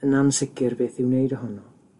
Yn ansicir beth i'w wneud ohono.